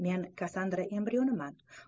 men kassandra embrionman